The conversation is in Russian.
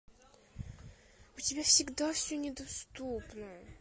у тебя всегда все недоступно